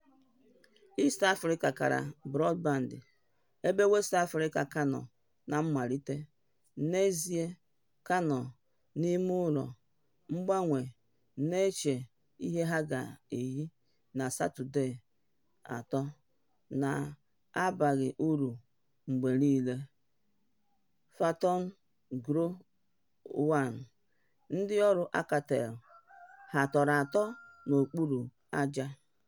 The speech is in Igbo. East Africa gara brọdband… ebe West Africa ka nọ na mmalite (n'ezie, ka nọ n'imeụlọ mgbanwe na-eche ihe ha ga-eyi) na SAT3 na-abaghị uru mgbe niile, phantom Glo1 (ndịọrụ Alcatel ha tọrọ atọ n'okpuru ájá?)